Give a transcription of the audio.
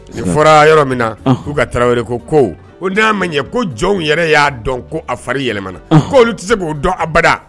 Nin fɔra yɔrɔ min na Kuka tarawele ko ko k'o n'a man ɲɛ ko jɔnw yɛrɛ y'a dɔn ko a fari yɛlɛmana ko olu tɛ se k'o dɔn abada.